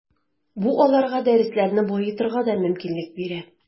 Бу аларга дәресләрне баетырга да мөмкинлек бирә.